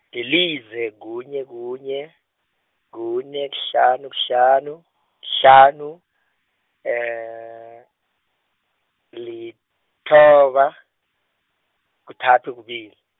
lilize, kunye kunye, kune kuhlanu kuhlanu, kuhlanu, , lithoba, kuthathu kubili.